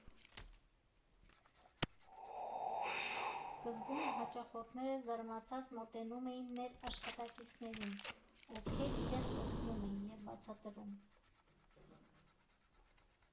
Սկզբում հաճախորդները զարմացած մոտենում էին մեր աշխատակիցներին, ովքեր իրենց օգնում էին և բացատրում։